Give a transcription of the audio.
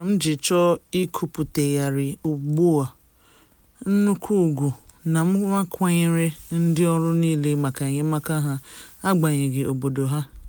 Ya kpatara m ji chọọ ikwuputegharị ugbu a nnukwu ugwu m na akwanyere ndị ọrụ niile maka enyemaka ha, agbanyeghị obodo ha.